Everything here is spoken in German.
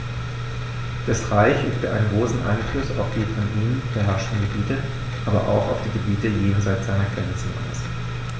Das Reich übte einen großen Einfluss auf die von ihm beherrschten Gebiete, aber auch auf die Gebiete jenseits seiner Grenzen aus.